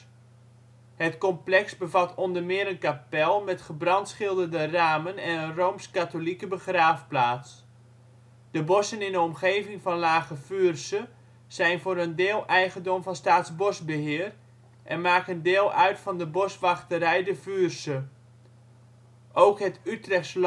onder meer een kapel met gebrandschilderde ramen en een rooms-katholieke begraafplaats. De bossen in de omgeving van Lage Vuursche zijn voor een deel eigendom van Staatsbosbeheer en maken deel uit van de boswachterij De Vuursche. Ook Het Utrechts Landschap